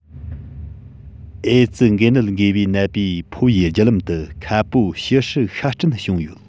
ཨེ ཙི འགོས ནད འགོས པའི ནད པའི ཕོ བའི རྒྱུ ལམ དུ ཁ པོ ཞི ཧྲི ཤ སྐྲན བྱུང ཡོད